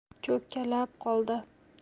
cho'kkalab qoldi